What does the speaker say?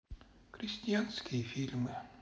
крестьянские фильмы